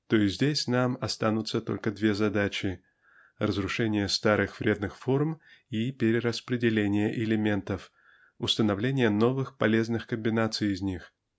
то и здесь нам останутся только две задачи--разрушение старых вредных форм и перераспределение элементов установление новых полезных комбинаций из них.